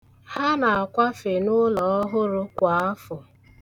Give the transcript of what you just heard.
Ha na-akwafe n'ụlọ ọhụrụ kwa afọ.